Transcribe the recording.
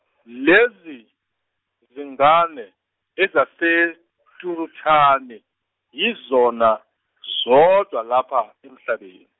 lezi zingane ezaseTuruhani, yizona zodwa lapha emhlabeni.